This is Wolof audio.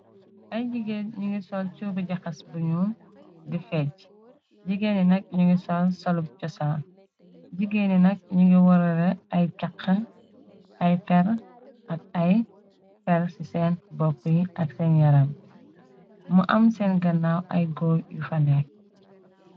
Ay jigéet ñu ngi sol cuubi jaxas bu ñyul di feej jigéeni nak ñu ngi sol salu cosaal jigéeni nak ñu ngi warara ay caxx ay feer ak ay feer ci seen bopp yi ak seen yaramb mu am seen gannaaw ay góol yu fanee.